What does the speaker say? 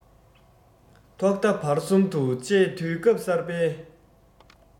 ཐོག མཐའ བར གསུམ དུ བཅས དུས སྐབས གསར པའི